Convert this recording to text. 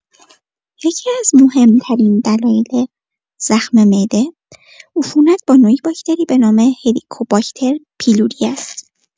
یکی‌از مهم‌ترین دلایل زخم معده عفونت با نوعی باکتری به نام هلیکوباکتر پیلوری است.